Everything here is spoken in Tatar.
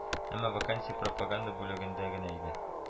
Әмма вакансия пропаганда бүлегендә генә иде